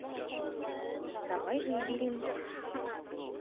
давай выберем